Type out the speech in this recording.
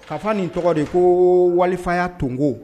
Kafa nin tɔgɔ de koo walifaya tunko